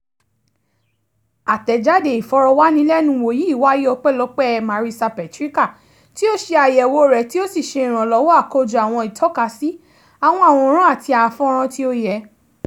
Àtẹ̀jáde ìfọ̀rọ̀wánilẹ́nuwò yìí wáyé ọpẹ́lọpẹ́ Marisa Petricca, tí ó ṣe àyẹ̀wò rẹ̀, tí ó sì ṣe ìrànlọ́wọ́ àkójọ àwọn ìtọ́kasí, àwọn àwòrán àti a fọ́nràn tí ó yẹ.